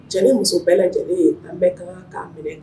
Cɛ ni muso bɛɛ jɛlen, an bɛ ka kan k'a minɛ meler